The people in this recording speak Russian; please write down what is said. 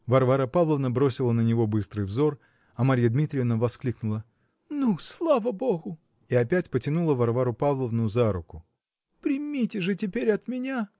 Варвара Павловна бросила на него быстрый взор, а Марья Дмитриевна воскликнула: "Ну, слава богу!" -- и опять потянула Варвару Павловну за руку. -- Примите же теперь от меня.